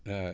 waaw